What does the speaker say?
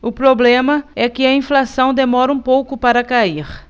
o problema é que a inflação demora um pouco para cair